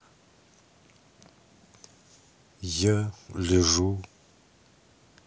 я лежу